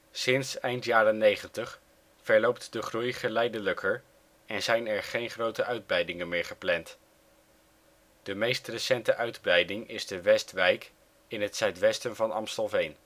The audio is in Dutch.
Sinds eind jaren ' 90 verloopt de groei geleidelijker en zijn geen grote uitbreidingen meer gepland. De meest recente uitbreiding is de Westwijk in het zuidwesten van Amstelveen